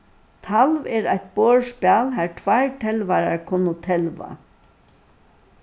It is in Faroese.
talv er eitt borðspæl har tveir telvarar kunnu telva